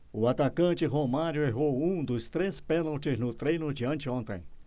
o atacante romário errou um dos três pênaltis no treino de anteontem